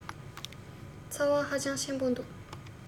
ཚ བ ཧ ཅང ཆེན པོ འདུག